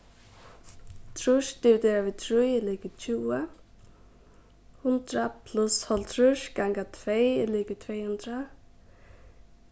trýss dividerað við trý er ligvið tjúgu hundrað pluss hálvtrýss ganga tvey er ligvið tvey hundrað